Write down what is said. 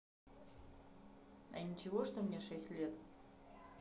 а ничего что мне шесть лет